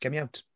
Get me out.